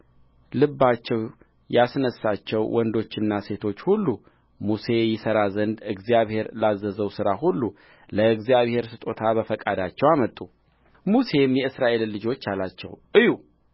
ልባቸው ያስነሣቸው ወንዶችና ሴቶች ሁሉ ሙሴ ይሠራ ዘንድ እግዚአብሔር ላዘዘው ሥራ ሁሉ ለእግዚአብሔር ስጦታ በፈቃዳቸው አመጡ ሙሴም የእስራኤልን ልጆች አላቸው እዩ